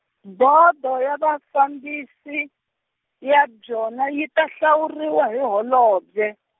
Bodo ya Vafambisi, ya byona yi ta hlawuriwa hi holobye.